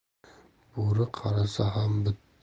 bo'ri qarisa ham